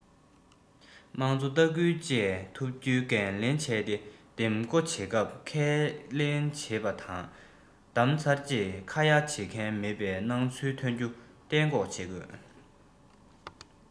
དམངས གཙོ ལྟ སྐུལ བཅས ཐུབ རྒྱུའི འགན ལེན བྱས ཏེ འདེམས བསྐོ བྱེད སྐབས ཁས ལེན བྱེད པ དང བདམས ཚར རྗེས ཁ ཡ བྱེད མཁན མེད པའི སྣང ཚུལ ཐོན རྒྱུ གཏན འགོག བྱེད དགོས